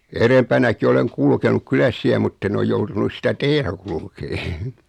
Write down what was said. ja edempänäkin olen kulkenut kylässä siellä mutta en ole joutunut sitä tietä kulkemaan